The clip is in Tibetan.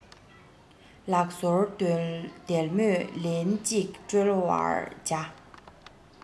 ལག སོར དལ མོས ལེན ཅིག དཀྲོལ བར བྱ